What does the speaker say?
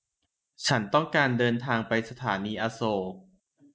ฉันต้องการเดินทางไปสถานีอโศก